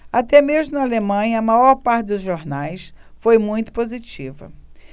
até mesmo na alemanha a maior parte dos jornais foi muito positiva